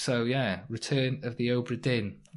So ie, Return of the Obra Dinn.